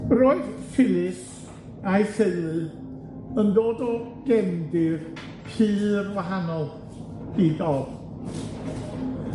Roedd Philys a'i theulu yn dod o gefndir pur wahanol i Dodd,